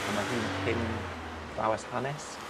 a ma' hi'n cyn athrawes hanes